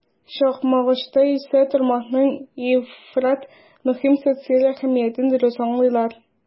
Чакмагышта исә тармакның ифрат мөһим социаль әһәмиятен дөрес аңлыйлар.